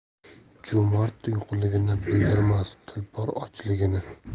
jo'mard yo'qligini bildirmas tulpor ochligini